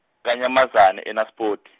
Kanyamazane e- Naspoti.